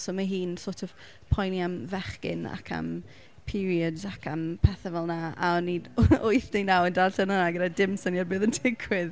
So mae hi'n sort of poeni am fechgyn ac am periods ac am pethau fel 'na. A o'n i'n wyth neu naw yn darllen hwnna gyda dim syniad beth oedd yn digwydd.